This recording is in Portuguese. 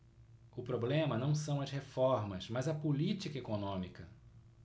o problema não são as reformas mas a política econômica